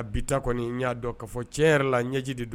Bi kɔni y'a dɔn ka fɔ cɛn yɛrɛ la ɲɛji de don